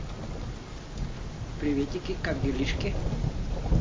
приветики как делишки